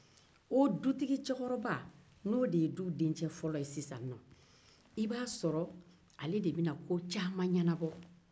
o dutigi cɛkɔrɔba n'o de ye du dence fɔlɔ ye sisan i b'a sɔrɔ ale de bɛna ko caman ɲɛnabɔ